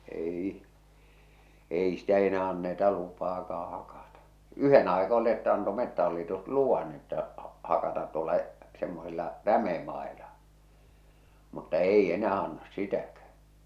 ei ei ei sitä enää anneta lupaakaan hakata yhden aika oli että antoi Metsähallitus luvan että hakata tuolla semmoisilla rämemailla mutta ei enää anna sitäkään